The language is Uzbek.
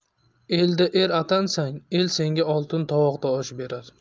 elda er atansang el senga oltin tovoqda osh berar